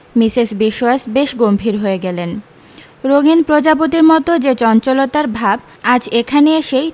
Mrs Biswas বেশ গম্ভীর হয়ে গেলেন রঙিন প্রজাপতির মতো যে চঞ্চলতার ভাব আজ এখানে এসেই